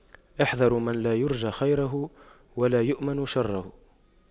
احذروا من لا يرجى خيره ولا يؤمن شره